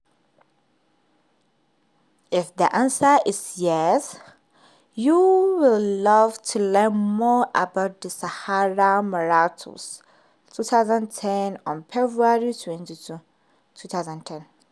If the answer is `yes`, you will love to learn more about the Sahara Marathon 2010 on February 22, 2010.